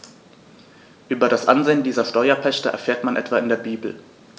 Über das Ansehen dieser Steuerpächter erfährt man etwa in der Bibel.